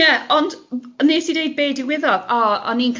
Ie, ond w- wnes i dweud be digwyddodd, o, o'n i'n